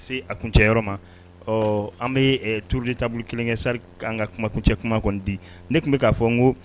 Se a kuncɛ ma ɔ an bɛ tourudi taabolo kelen kɛ sari an ka kumakun cɛ kuma kɔni di ne tun bɛ k'a fɔ n ko